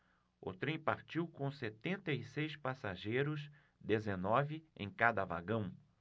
o trem partiu com setenta e seis passageiros dezenove em cada vagão